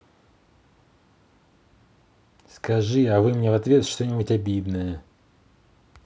скажи а вы мне в ответ что нибудь обидное